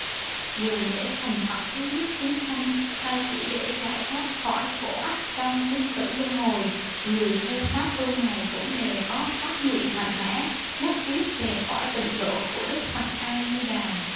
dù để thành phật cứu giúp chúng sanh hay chỉ để giải thoát khỏi khổ ách trong sinh tử luân hồi người theo pháp tu này cũng đều có phát nguyện mạnh mẽ nhất quyết về cõi tịnh độ của đức phật a di đà